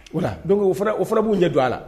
O la o o fana b'u ɲɛ don a la